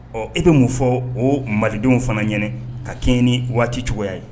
Ɔ e bɛ n' fɔ o malidenw fana ɲ ka kɛ ni waati cogoya ye